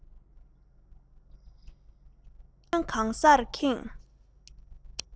གཡས གཡོན གང སར ཁེངས